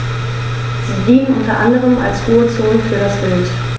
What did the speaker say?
Sie dienen unter anderem als Ruhezonen für das Wild.